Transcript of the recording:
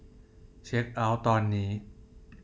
เช็คเอ้าท์ตอนนี้